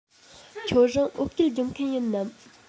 ཁྱོད རང བོད སྐད སྦྱོང མཁན ཡིན ནམ